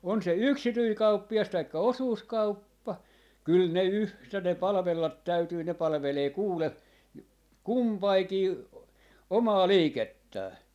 on se yksityinen kauppias tai osuuskauppa kyllä ne yhtä ne palvella täytyy ne palvelee kuule kumpikin omaa liikettään